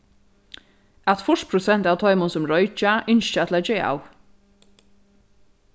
at fýrs prosent av teimum sum roykja ynskja at leggja av